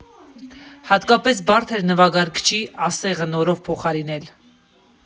Հատկապես բարդ էր նվագարկչի ասեղը նորով փոխարինել։